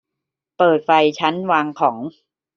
เปิดไฟชั้นวางของ